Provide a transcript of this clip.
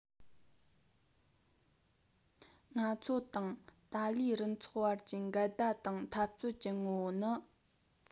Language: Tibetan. ང ཚོ དང ཏཱ ལའི རུ ཚོགས དབར གྱི འགལ ཟླ དང འཐབ རྩོད ཀྱི ངོ བོ ནི